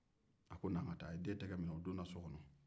a ko na an ka taa